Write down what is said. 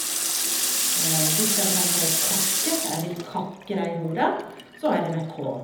Hvis jeg for eksempel sier kakke, Jeg vil kakke deg i hodet, så er det med k.